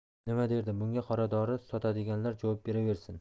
nima derdim bunga qoradori sotadiganlar javob beraversin